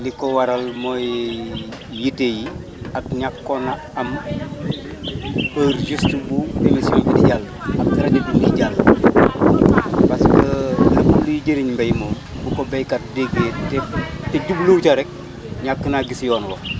li ko waral mooy liggéey yi ak ñàkkoon a am heure juste bu émission bi di jàll ak si rajo bu muy jàll parce que luy jëriñ mbay moom bu ko baykat te te jublu wu ca rek ñàkk naa gis yoon wa